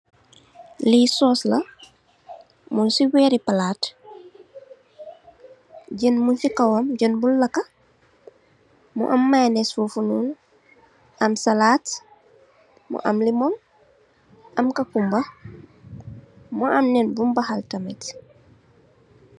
Li soos la, mung ci biir palaat, jën mung ci kawam, jën bun lakka mu am mayonnaise fofunoon, am salaat, mu am limon, am cucumber, mu am nèn bun bahal tamit.